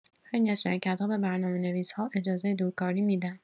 خیلی از شرکت‌ها به برنامه‌نویس‌ها اجازه دورکاری می‌دن.